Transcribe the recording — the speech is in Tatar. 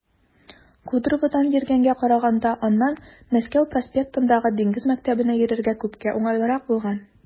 Кудроводан йөргәнгә караганда аннан Мәскәү проспектындагы Диңгез мәктәбенә йөрергә күпкә уңайлырак булган.